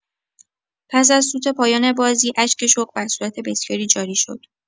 پس از سوت پایان بازی، اشک شوق بر صورت بسیاری جاری شد.